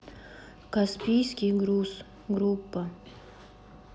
каспийский груз группа